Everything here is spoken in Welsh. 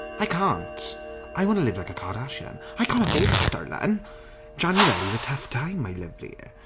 I can't. I want to live like a Kardashian. I can't afford that darlin'. January's a tough time my lovely.*